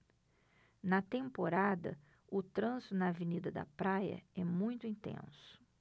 na temporada o trânsito na avenida da praia é muito intenso